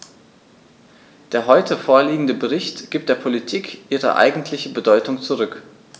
Der heute vorliegende Bericht gibt der Politik ihre eigentliche Bedeutung zurück.